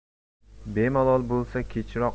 bemalol bo'lsa kechroq